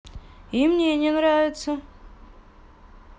и мне не нравится